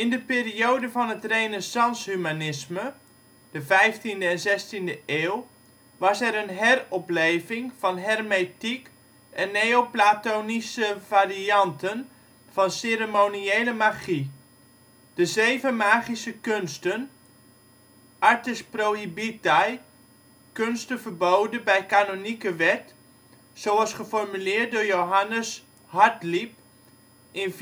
de periode van het renaissance-humanisme (15e en 16e eeuw) was er een heropleving van hermetiek en neoplatonische varianten van ceremoniële magie. De ' zeven magische kunsten ' (artes prohibitae, kunsten verboden bij canonieke wet) zoals geformuleerd door Johannes Hartlieb in